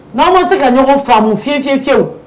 N'an ma se ka ɲɔgɔn faamu fiyewu, fiyewu